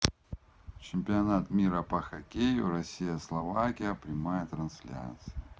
чемпионат мира по хоккею россия словакия прямая трансляция